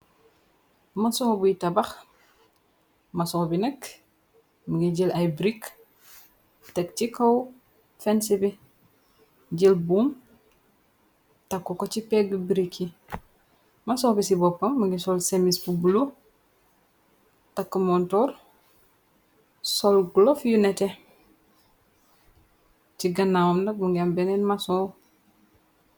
Mason buy tabax mason bi nekk mingir jël ay brik tek ci kaw fense bi jël buum tak ko ci pegg brik yi mason bi ci boppam mingir sol semis bu bulo tak montor sol glof yu nete ci gannaawam ndag bu ngam beneen maso.